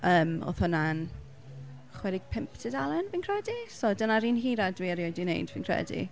Yym oedd hwnna'n chwe deg pump tudalen fi'n credu? So dyna'r un hira dwi erioed 'di wneud, fi'n credu.